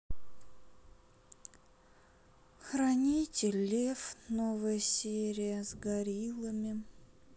хранитель лев новая серия с гориллами